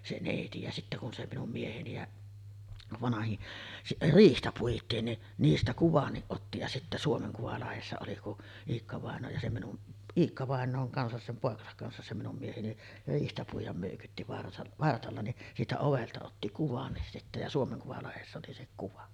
se neiti ja sitten kun se minun mieheni ja vanhin riihtä puitiin niin niistä kuvankin otti ja sitten Suomen kuvalehdessä oli kun Iikka-vainajan kanssa sen poikansa kanssa se minun mieheni riihtä puida möykytti - vartalla niin siitä ovelta otti kuvan sitten ja Suomen kuvalehdessä oli se kuva